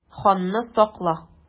Ханны сакла!